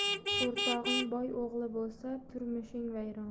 o'rtog'ing boyo'g'li bo'lsa turishing vayrona